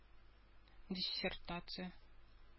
Диссертация